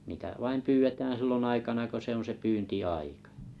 niitä vain pyydetään silloin aikana kun se on se pyyntiaika